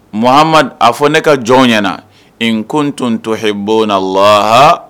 Ma a fɔ ne ka jɔn ɲɛnaana n kotɔn tɔ h bon na laha